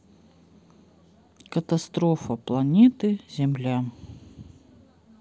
катастрофа планеты земля